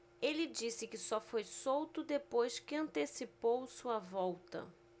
ele disse que só foi solto depois que antecipou sua volta